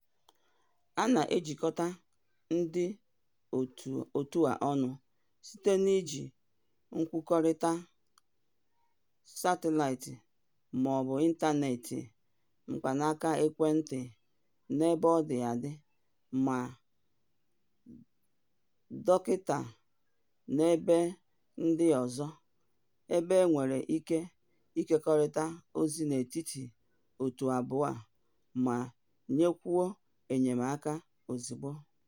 A na-ejikọta ndị òtù a ọnụ site n'iji nkwukọrịta satịlaịtị maọbụ ịntanetị/mkpanaaka ekwentị (n'ebe ọ dị adị) ma dọkịta n'ebe ndị ọzọ, ebe e nwere ike ịkekọrịta ozi n'etiti ọ̀tù abụọ a ma nyekwuo enyemaka ozugbo."